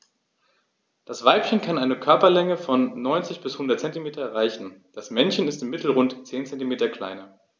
Das Weibchen kann eine Körperlänge von 90-100 cm erreichen; das Männchen ist im Mittel rund 10 cm kleiner.